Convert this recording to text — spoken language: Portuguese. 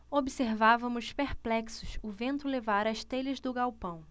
observávamos perplexos o vento levar as telhas do galpão